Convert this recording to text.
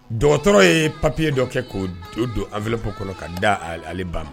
Dɔgɔtɔrɔ ye papiye dɔ kɛ k'o o don an fɛlɛpkɔrɔ ka da ale ban